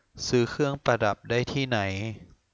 ซื้อเครื่องประดับได้ที่ไหน